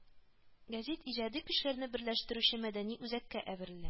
Гәзит иҗади көчләрне берләштерүче мәдәни үзәккә әверелә